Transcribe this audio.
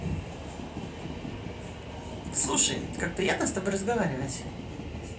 слушай как приятно с тобой разговаривать